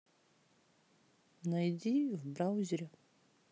найди в браузере